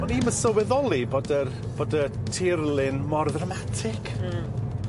O'n i'm yn sylweddoli bod yr bod y tirlun mor ddramatic. Hmm.